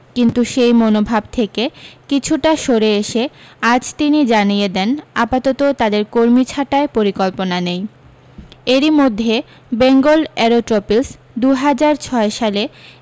কিন্তু সেই মনোভাব থেকে কিছুটা সরে এসে আজ তিনি জানিয়ে দেন আপাতত তাঁদের কর্মী ছাঁটাই পরিকল্পনা নেই এরি মধ্যে বেঙ্গল এরোট্রপিলস দু হাজার ছয় সালে